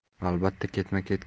albatta ketma ket